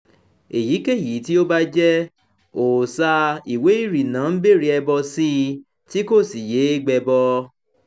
Èyí kéyìí tí ò báà jẹ́, òòsà ìwé ìrìnnà ń béèrè ẹbọ sí i, tí kò sì yé é gbẹbọ.